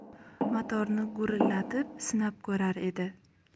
motorni gurillatib sinab ko'rar edi